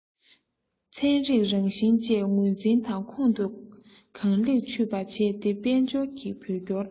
ཚན རིག རང བཞིན བཅས ངོས འཛིན དང ཁོང དུ གང ལེགས ཆུད པ བྱས ཏེ དཔལ འབྱོར གྱི བོད སྐྱོར དང